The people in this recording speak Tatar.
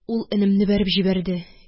Ул энемне бәреп җибәрде.